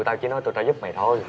tao chỉ nói tụi tao giúp mày thôi